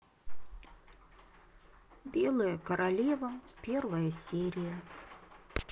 белая королева первая серия